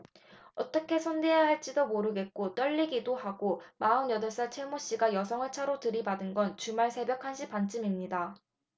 어떻게 손대야 할지도 모르겠고 떨리기도 하고 마흔 여덟 살 최 모 씨가 여성을 차로 들이받은 건 주말 새벽 한 시 반쯤입니다